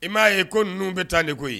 I m'a ye ko n ninnu bɛ taa de ko yen